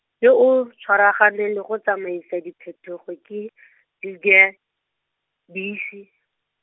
yo o tshwaraganeng le go tsamaisa diphetogo ke , Lydia Bici.